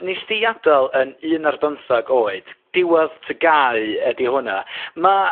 'nes 'di ada'l yn un ar bymthag oed diwadd tygau ydi hwnna ma'